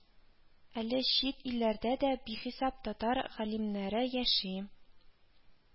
Әле чит илләрдә дә бихисап татар галимнәре яши